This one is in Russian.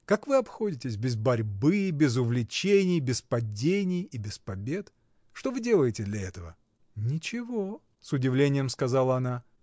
Как вы обходитесь без борьбы, без увлечений, без падений и без побед? Что вы делаете для этого? — Ничего! — с удивлением сказала она.